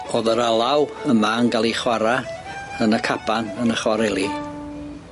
O'dd yr alaw yma'n ga'l 'i chwara yn y caban yn y chwareli.